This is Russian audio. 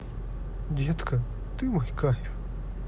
детка ты мой кайф